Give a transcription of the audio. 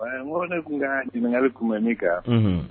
A kɔrɔ ne tun ka jamanagali kun ne kan